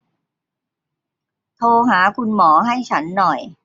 โทรหาคุณหมอให้ฉันหน่อย